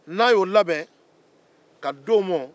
n'a y'o labɛn ka di o man